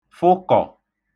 fụkọ̀